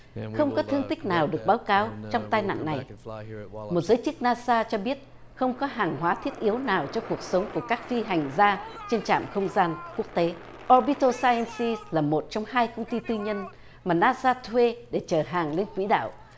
không có thương tích nào được báo cáo trong tai nạn này một giới chức na sa cho biết không có hàng hóa thiết yếu nào cho cuộc sống của các phi hành gia trên trạm không gian quốc tế o bi tô sai ưn si là một trong hai công ty tư nhân mà na sa thuê để chở hàng lên quỹ đạo